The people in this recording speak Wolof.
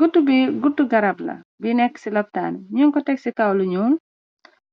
Gootu bi gootu garab la bi neka si lopitan bi nyun ko tek si kaw lu nuul